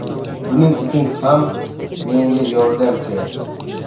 buning uchun ham menga yordam kerak